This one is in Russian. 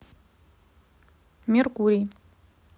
меркурий